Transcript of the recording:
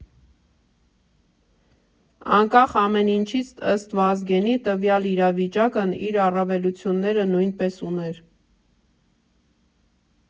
Անկախ ամեն ինչից, ըստ Վազգենի, տվյալ իրավիճակն իր առավելությունները նույնպես ուներ։